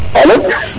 alo